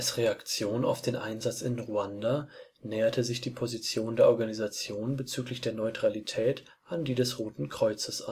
Reaktion auf den Einsatz in Ruanda näherte sich die Position der Organisation bezüglich der Neutralität an die des Roten Kreuzes